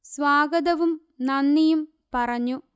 സ്വാഗതവും നന്ദിയും പറഞ്ഞു